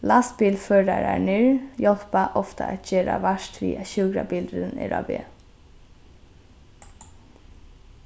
lastbilførararnir hjálpa ofta at gera vart við at sjúkrabilurin er á veg